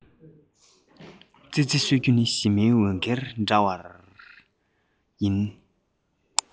ཙི ཙི གསོད རྒྱུ ནི ཞི མིའི འོས འགན ཡིན